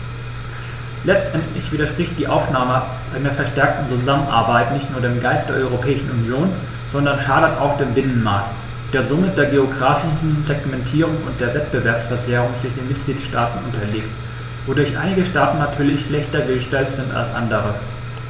Letztendlich widerspricht die Aufnahme einer verstärkten Zusammenarbeit nicht nur dem Geist der Europäischen Union, sondern schadet auch dem Binnenmarkt, der somit der geographischen Segmentierung und der Wettbewerbsverzerrung zwischen den Mitgliedstaaten unterliegt, wodurch einige Staaten natürlich schlechter gestellt sind als andere.